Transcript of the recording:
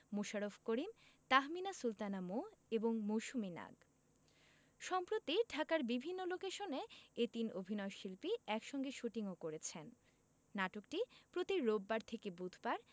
মোশাররফ করিম তাহমিনা সুলতানা মৌ এবং মৌসুমী নাগ সম্প্রতি ঢাকার বিভিন্ন লোকেশনে এ তিন অভিনয়শিল্পী একসঙ্গে শুটিংও করেছেন নাটকটি প্রতি রোববার থেকে বুধবার